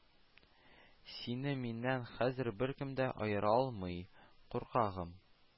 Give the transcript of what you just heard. Сине миннән хәзер беркем дә аера алмый, куркагым